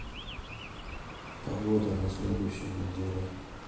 погода на следующей неделе